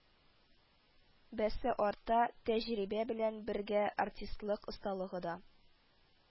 Бәсе арта, тәҗрибә белән бергә артистлык осталыгы да